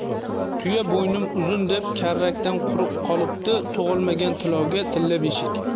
tuya bo'ynim uzun deb karrakdan quruq qolibdi tug'ilmagan tilovga tilla beshik